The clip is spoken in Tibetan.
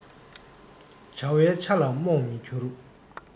བྱ བའི ཆ ལ རྨོངས མི འགྱུར